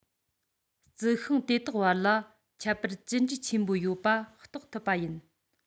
རྩི ཤིང དེ དག བར ལ ཁྱད པར ཅི འདྲའི ཆེན པོ ཡོད པ རྟོགས ཐུབ པ ཡིན